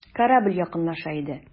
Корабль якынлаша иде.